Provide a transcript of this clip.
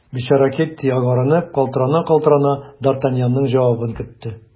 Бичара Кэтти, агарынып, калтырана-калтырана, д’Артаньянның җавабын көтте.